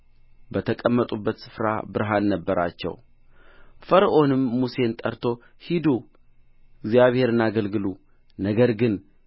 በተቀመጡበት ስፍራ ብርሃን ነበራቸው ፈርዖንም ሙሴን ጠርቶ ሂዱ እግዚአብሔርን አገልግሉ ነገር ግን